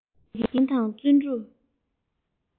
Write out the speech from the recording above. དགེ རྒན དང བརྩོན འགྲུས